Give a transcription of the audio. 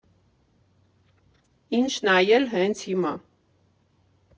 Ինչ նայել հենց հիմա.